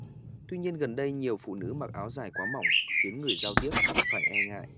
tuy nhiên gần đây nhiều phụ nữ mặc áo dài quá mỏng khiến người giao tiếp phải e ngại